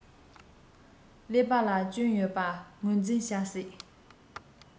ཀླད པ ལ སྐྱོན ཡོད པ ངོས འཛིན བྱ སྲིད